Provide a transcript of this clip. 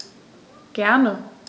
Gerne.